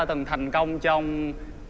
từng thành công trong